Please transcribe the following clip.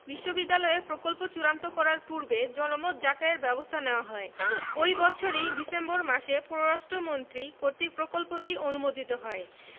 বিশ্ববিদ্যালয়ের প্রকল্প চূড়ান্ত করার পূর্বে জনমত যাচাইয়ের ব্যবস্থা নেওয়া হয় ঐ বৎসরই ডিসেম্বর মাসে পররাষ্ট মন্ত্রী কর্তৃক প্রকল্পটি অনুমোদিত হয়